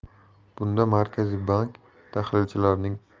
bunda markaziy bank tahlilchilarining